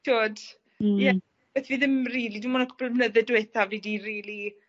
t'wod... Hmm. ... Ie beth fi ddim rili, dim on' y cwpwl o flynydde dwetha fi 'di rili